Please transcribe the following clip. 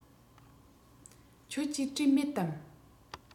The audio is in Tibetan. ཁྱོད ཀྱིས བྲིས མེད དམ